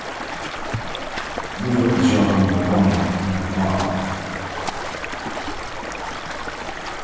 nú fer undirsjóvartunnil at koma um nøkur fá ár